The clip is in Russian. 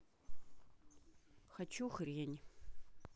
хочу хрень